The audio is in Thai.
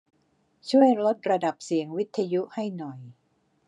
ช่วยลดระดับเสียงวิทยุให้หน่อย